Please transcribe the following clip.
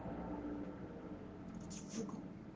иди в угол